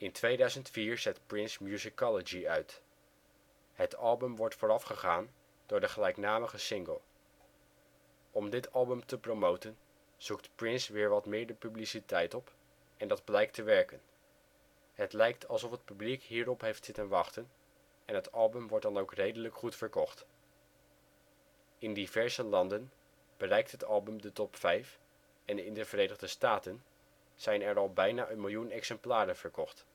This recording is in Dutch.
2004 brengt Prince Musicology uit. Het album wordt voorafgegaan door de gelijknamige single. Om dit album te promoten zoekt Prince weer wat meer de publiciteit op, en dat blijkt te werken. Het lijkt alsof het publiek hierop heeft zitten wachten en het album wordt dan ook redelijk goed verkocht. In diverse landen bereikt het album de top vijf en in de Verenigde Staten zijn er al bijna een miljoen exemplaren verkocht